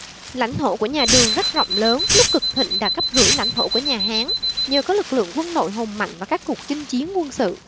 lãnh thổ của nhà đường rất rộng lớn lúc cực thịnh đạt gấp rưỡi lãnh thổ của nhà hán nhờ có lực lượng quân đội hùng mạnh và các cuộc chinh chiến quân sự